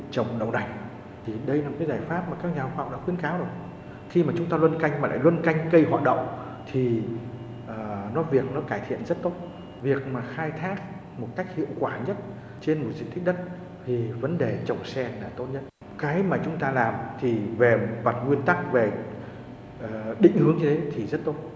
trồng đậu nành thì đây là một giải pháp mà các nhà khoa học đã khuyến cáo khi mà chúng ta luân canh luân canh cây họ đậu thì nó việc nó cải thiện rất tốt việc khai thác một cách hiệu quả nhất trên một diện tích đất thì vấn đề trồng sen là tốt nhất cái mà chúng ta làm thì về mặt nguyên tắc về định hướng thế thì rất tốt